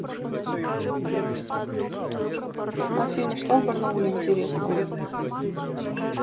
афина что в барнауле интересного